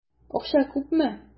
Акча күпме?